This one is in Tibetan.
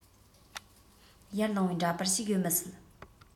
ཡར ལངས པའི འདྲ པར ཞིག ཡོད མི སྲིད